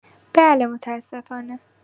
بله متاسفانه